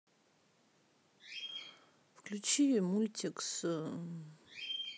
включи мультики с